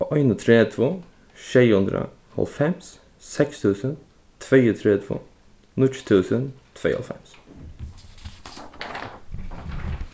einogtretivu sjey hundrað hálvfems seks túsund tveyogtretivu níggju túsund tveyoghálvfems